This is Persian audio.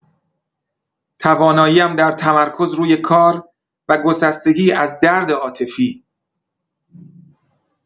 توانایی‌ام در تمرکز روی کار و گسستگی از درد عاطفی